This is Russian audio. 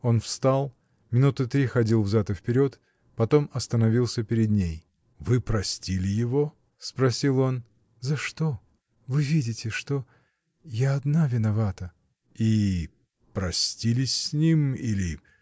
Он встал, минуты три ходил взад и вперед, потом остановился перед ней. — Вы простили его? — спросил он. — За что? Вы видите, что. я одна виновата. — И. простились с ним или.